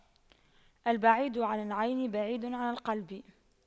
البعيد عن العين بعيد عن القلب